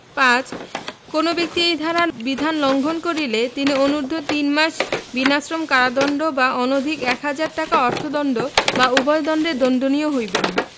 ৫ কোন ব্যক্তি এই ধারার বিধান লংঘন করিলে তিনি অনুর্ধ্ব তিনমাস বিনাশ্রম কারদন্ড বা অনধিক এক হাজার টাকা অর্থদন্ড বা উভয় দন্ডে দন্ডনীয় হইবেন